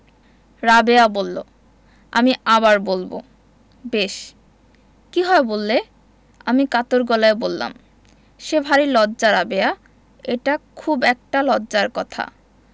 রাবেয়া বললো আমি আবার বলবো বেশ কি হয় বললে আমি কাতর গলায় বললাম সে ভারী লজ্জা রাবেয়া এটা খুব একটা লজ্জার কথা